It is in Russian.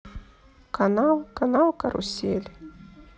канал канал карусель